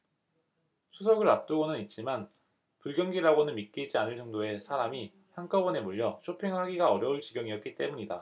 추석을 앞두고는 있지만 불경기라고는 믿기지 않을 정도의 사람이 한꺼번에 몰려 쇼핑을 하기가 어려울 지경이었기 때문이다